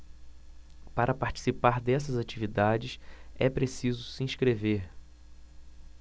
para participar dessas atividades é preciso se inscrever